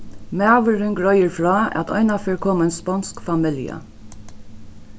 maðurin greiðir frá at einaferð kom ein sponsk familja